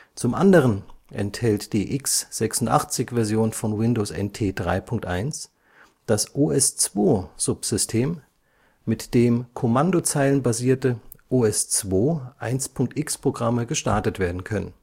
Zum anderen enthält die x86-Version von Windows NT 3.1 das OS/2-Subsystem, mit dem kommandozeilenbasierte OS/2-1.x-Programme gestartet werden können